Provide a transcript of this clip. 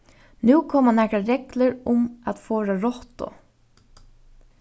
nú koma nakrar reglur um at forða rottu